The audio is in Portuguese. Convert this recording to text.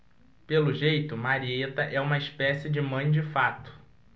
pelo jeito marieta é uma espécie de mãe de fato